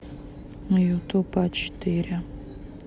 ютуб а четыре